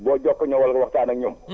boo jekkoo ñëwal nga waxtaan ak ñoom